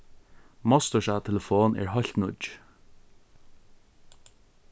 mostursa telefon er heilt nýggj